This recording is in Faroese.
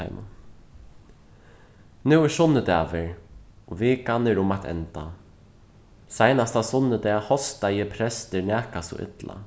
teimum nú er sunnudagur og vikan er um at enda seinasta sunnudag hostaði prestur nakað so illa